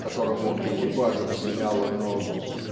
которому экипажем смяло ногу.